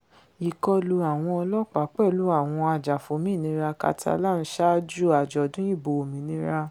Ìkọlù àwọn ọlọ́ọ̀pá pẹ̀lú àwọn ajàfómìnira Catalan sáájú àjọ̀dun ìbò òmìnira